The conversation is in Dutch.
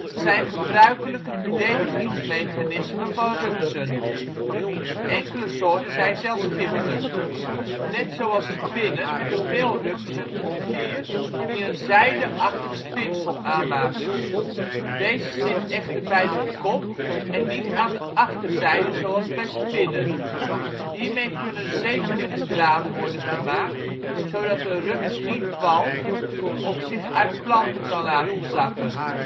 zijn gebruikelijke verdedigingsmechanismen van rupsen. Enkele soorten zijn zelfs giftig. Net zoals spinnen hebben veel rupsen een klier die een zijde-achtig spinsel aanmaakt. Deze zit echter bij de kop en niet aan de achterzijde zoals bij spinnen. Hiermee kunnen zekeringsdraden worden gemaakt zodat de rups niet valt of zich uit planten kan laten zakken